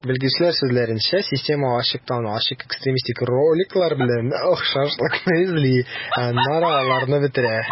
Белгечләр сүзләренчә, система ачыктан-ачык экстремистик роликлар белән охшашлыкны эзли, ә аннары аларны бетерә.